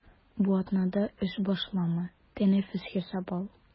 Бу атнада эш башлама, тәнәфес ясап ал.